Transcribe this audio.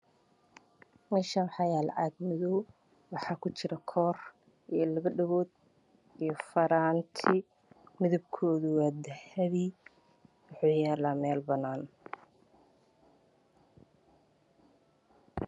Meshan waxyalo caag madow waxa kujiro koor io labo dhegod io faranti midabkode waa dahbi waxeyalan mel banan